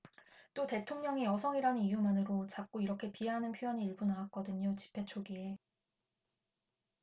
또 대통령이 여성이라는 이유만으로 자꾸 이렇게 비하하는 표현이 일부 나왔거든요 집회 초기에